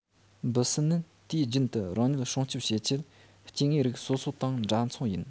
འབུ སྲིན ནི དུས རྒྱུན དུ རང ཉིད སྲུང སྐྱོབ བྱེད ཆེད སྐྱེ དངོས རིགས སོ སོ དང འདྲ མཚུངས ཡིན